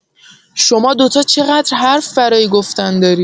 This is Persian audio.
شما دوتا چقدر حرف برای گفتن دارید؟